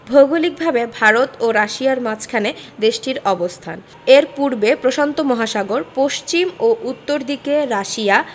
ভৌগলিকভাবে ভারত ও রাশিয়ার মাঝখানে দেশটির অবস্থান এর পূর্বে প্রশান্ত মহাসাগর পশ্চিম ও উত্তর দিকে রাশিয়া